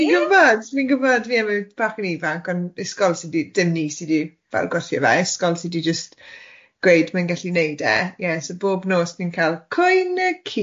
Fi'n gwybod, fi'n gwybod fi efo bach yn ifanc ond ysgol sy'n d- dim ni sydd fel gwellio fe ysgol sydd jyst, gweud mae'n gallu wneud e ie so bob nos ni'n cael coen y ci.